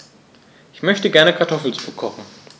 Ich möchte gerne Kartoffelsuppe kochen.